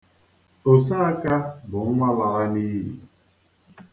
Oseaka bụ nwa lara n'iyi.